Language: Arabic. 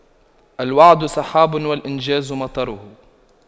الوعد سحاب والإنجاز مطره